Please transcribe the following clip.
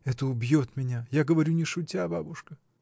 — Это убьет меня, я говорю не шутя, бабушка.